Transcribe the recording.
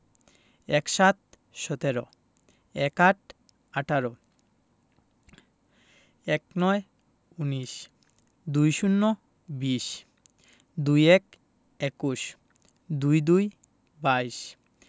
১৭ - সতেরো ১৮ - আঠারো ১৯ - উনিশ ২০ - বিশ ২১ – একুশ ২২ – বাইশ